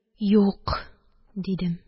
– юк! – дидем